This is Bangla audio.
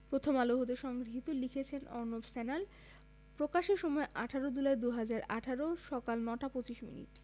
প্রথম আলো হতে সংগৃহীত লিখেছেন অর্ণব স্যান্যাল প্রকাশের সময় ১৮ জুলাই ২০১৮ সকাল ৯টা ২৫ মিনিট